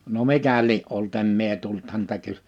no mikä lie ollut en minä tullut häntä -